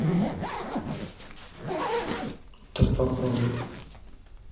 так попробуй